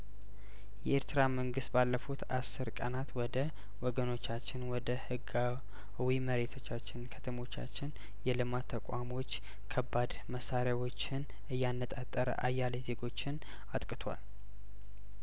የኤርትራ መንግስት ባለፉት አስር ቀናት ወደ ወገኖቻችን ወደ ህጋዊ መሬታችን ከተሞቻችን የልማት ተቋሞች ከባድ መሳሪያዎችን እያነጣጠረ አያሌ ዜጐችን አጥቅቷል